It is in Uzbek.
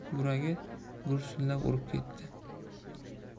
yuragi gursillab urib ketdi